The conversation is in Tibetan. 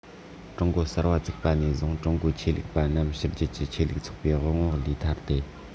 ཀྲུང གོ གསར བ བཙུགས པ ནས ཀྲུང གོའི ཆོས ལུགས པ རྣམས ཕྱི རྒྱལ གྱི ཆོས ལུགས ཚོགས པའི དབང འོག ལས ཐར ཏེ